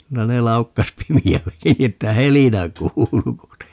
kyllä ne laukkasi pimeälläkin niin että helinä kuului kun ne